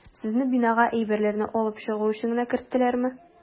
Сезне бинага әйберләрне алып чыгу өчен генә керттеләрме?